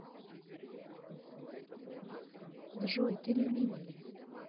джой ты люби меня